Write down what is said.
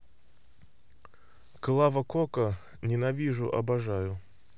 клава кока ненавижу обожаю